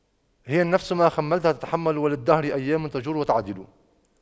هي النفس ما حَمَّلْتَها تتحمل وللدهر أيام تجور وتَعْدِلُ